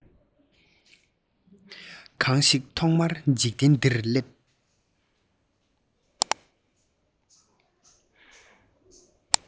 གང ཞིག ཐོག མར འཇིག རྟེན འདིར སླེབས